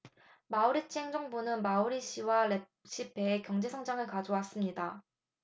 마우리츠 행정부는 마우리시아와 레시페에 경제 성장을 가져왔습니다